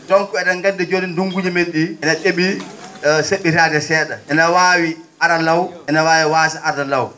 donc e?en nganndi jooni e ndunnguuji mee?en ?i enen ?e?i se??itaade see?a ina waawi ara law ina waawi waasa arde law